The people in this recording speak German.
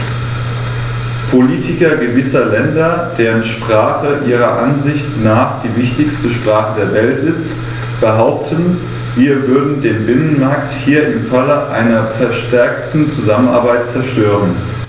Politiker gewisser Länder, deren Sprache ihrer Ansicht nach die wichtigste Sprache der Welt ist, behaupten, wir würden den Binnenmarkt hier im Falle einer verstärkten Zusammenarbeit zerstören.